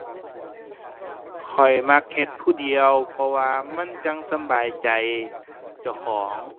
ข้อยมักเฮ็ดผู้เดียว เพราะว่า มันจั่งสำบายใจเจ้าของ